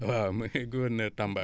waaw mooy gouverneur tamba